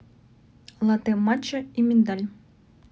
латте матча и миндаль